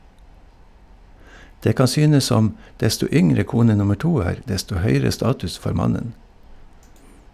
Det kan synes som desto yngre kone nummer to er, desto høyere status får mannen.